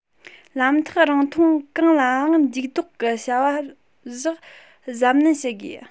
ལམ ཐག རིང ཐུང གང ལའང འཇུག ལྡོག གི བྱ གཞག གཟབ ནན བྱེད དགོས